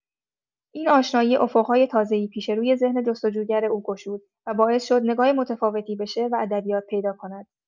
این آشنایی افق‌های تازه‌ای پیش روی ذهن جستجوگر او گشود و باعث شد نگاه متفاوتی به شعر و ادبیات پیدا کند.